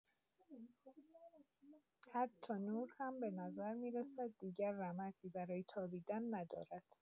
حتی نور هم به نظر می‌رسد دیگر رمقی برای تابیدن ندارد.